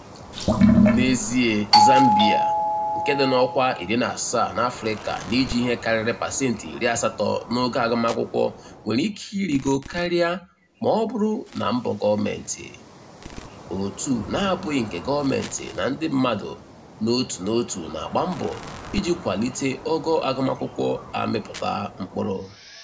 N'ezie Zambia, nke nọ n'ọkwa 17 n'Afrịka n'iji ihe karịrị pasentị 80 n'ogo agụmakwụkwọ nwere ike ịrịgo karịa maọbụrụ na mbọ gọọmentị, òtù na-abụghị nke gọọmentị na ndị mmadụ n'otu n'otu na-agba mbọ iji kwalite ogo agụmakwụkwọ amịpụta mkpụrụ.